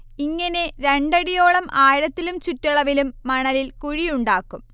ഇങ്ങനെ രണ്ടടിയോളം ആഴത്തിലും ചുറ്റളവിലും മണലിൽ കുഴിയുണ്ടാക്കും